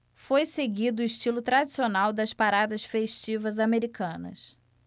foi seguido o estilo tradicional das paradas festivas americanas